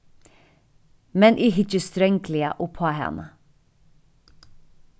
men eg hyggi strangliga uppá hana